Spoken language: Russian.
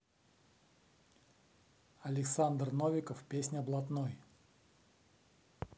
александр новиков песня блатной